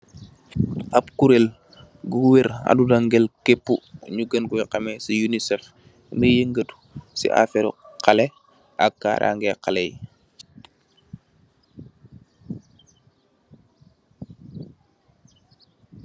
Ab kureel gu war Aduna wergel kepu, yu gine ko xame si UNICEF mi yagatu si afaaru xale ak karaage xale yi